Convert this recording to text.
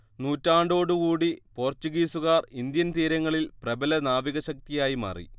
നൂറ്റാണ്ടോടുകൂടി പോർച്ചുഗീസുകാർ ഇന്ത്യൻതീരങ്ങളിൽ പ്രബല നാവികശക്തിയായി മാറി